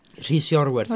Rhys Iorwerth.